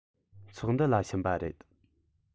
ཚོགས འདུ ལ ཕྱིན པ རེད